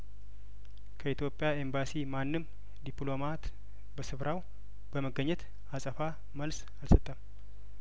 ከኢትዮጵያ ኤምባሲ ማንም ዲፕሎማት በስፍራው በመገኘት አጸፋ መልስ አልሰጠም